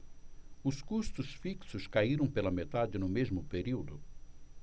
os custos fixos caíram pela metade no mesmo período